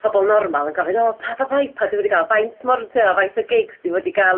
...pobol normal yn gofyn o pa fath o Ipad dwi fod i ga'l? Faint mor ti'o' faint o gigs dwi wedi ga'l...